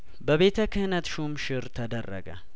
በቤተክህነት ሹም ሽር ተደረገ